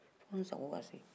fo n sago ka se